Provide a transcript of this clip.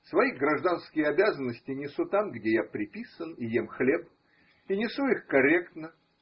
Свои гражданские обязанности несу там, где я приписан и ем хлеб, и несу их корректно